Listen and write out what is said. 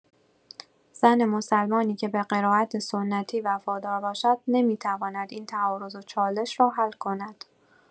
زن مسلمانی که به قرائت سنتی وفادار باشد، نمی‌تواند این تعارض و چالش را حل کند.